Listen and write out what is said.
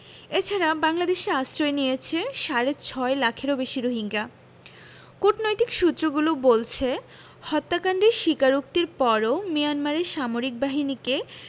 এ ছাড়া বাংলাদেশে আশ্রয় নিয়েছে সাড়ে ছয় লাখেরও বেশি রোহিঙ্গা কূটনৈতিক সূত্রগুলো বলছে হত্যাকাণ্ডের স্বীকারোক্তির পরও মিয়ানমারের সামরিক বাহিনীকে